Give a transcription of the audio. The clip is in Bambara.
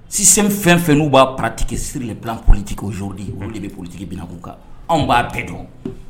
Si fɛn fɛn n' b'a pake siri bila kunnafonitigio de olu de bɛ ptigi binkun kan anw b'a bɛɛ dɔn